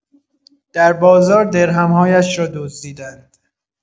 در بازار درهم‌هایش را دزدیدند